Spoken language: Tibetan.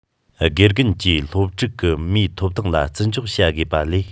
དགེ རྒན གྱིས སློབ ཕྲུག གི མིའི ཐོབ ཐང ལ བརྩི འཇོག བྱ དགོས པ ལས